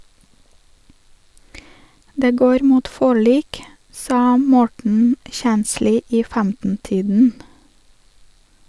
- Det går mot forlik, sa Morten Kjensli i 15-tiden.